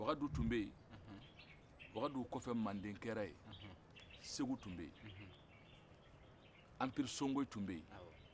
wakaduu tun bɛ wakaduu kɔfɛ manden kɛra ye segu tun bɛ empire sɔngoyi tun bɛ